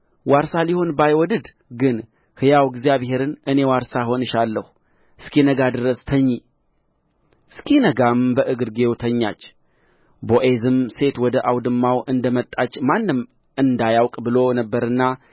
ዋርሳ ሊሆን ባይወድድ ግን ሕያው እግዚአብሔርን እኔ ዋርሳ እሆንሻለሁ እስኪነጋ ድረስ ተኚ እስኪነጋም በእግርጌው ተኛች ቦዔዝም ሴት ወደ አውድማው እንደ መጣች ማንም እንዳያውቅ ብሎ ነበርና